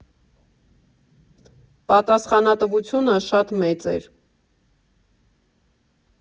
Պատասխանատվությունը շատ մեծ էր։